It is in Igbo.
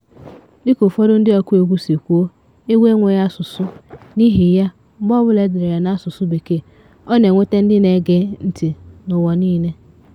Dịka ụfọdụ ndị ọkụegwú si kwuo, egwú enweghị asụsụ, n’ihi ya, mgbe ọbụla e dere ya n’asụsụ Bekee, ọ na-enweta ndị na-ege ntị n’ụwa niile.